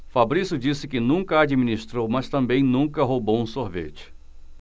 fabrício disse que nunca administrou mas também nunca roubou um sorvete